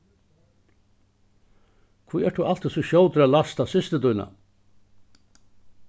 hví ert tú altíð so skjótur at lasta systir tína